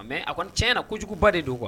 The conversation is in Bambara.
Mɛ a kɔni tiɲɛ na kojuguba de don kuwa